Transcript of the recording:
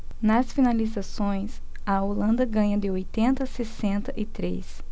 nas finalizações a holanda ganha de oitenta a sessenta e três